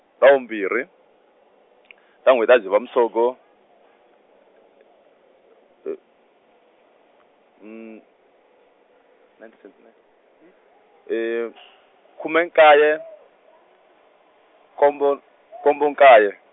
vha vumbirhi , ta n'wheti ya Dzivamusoko , nineteen seventy nine khume nkaye , nkombo, nkombo nkaye.